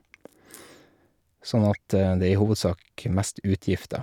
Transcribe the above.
Sånn at det er i hovedsak mest utgifter.